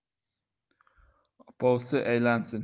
opovsi aylansin